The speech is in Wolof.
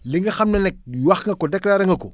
li nga xam ne nag wax nga ko déclarer nga ko